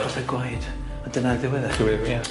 Colled gwaed, a dyna'r ddiwedd e? Diwedd, ie.